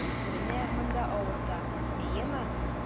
Менә монда авырта, әйеме?